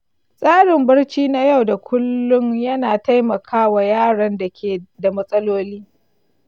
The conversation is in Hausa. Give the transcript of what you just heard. tsarin barci na yau da kullun yana taimaka wa yaran da ke da matsaloli.